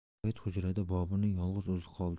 kechki payt hujrada boburning yolg'iz o'zi qoldi